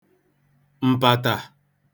m̀pàtà